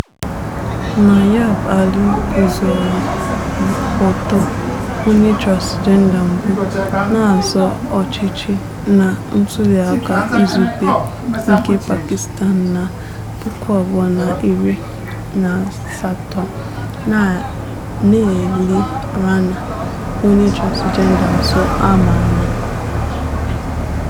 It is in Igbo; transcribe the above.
Nayaab Ali (guzoro ọtọ), onye transịjenda mbụ na-azọ ọchịchị na ntụliaka izugbe nke Pakistan na 2018, na Neeli Rana, onye transịjenda ọzọ a ma ama.